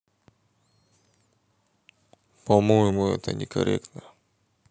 по моему это некорректно